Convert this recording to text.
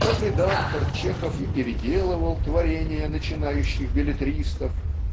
Как редактор, Чехов и переделывал творения начинающих беллетристов